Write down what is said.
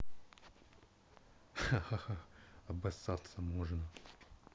ахахахаха обосаться можно